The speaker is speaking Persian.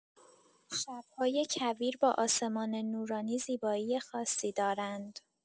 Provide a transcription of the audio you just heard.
شب‌های کویر با آسمان نورانی، زیبایی خاصی دارند.